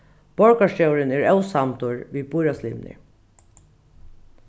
borgarstjórin er ósamdur við býráðslimirnir